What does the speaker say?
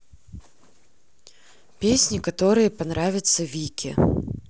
песни которые понравятся вике